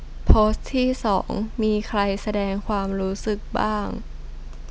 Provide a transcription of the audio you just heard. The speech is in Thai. โพสต์ที่สองมีใครแสดงความรู้สึกบ้าง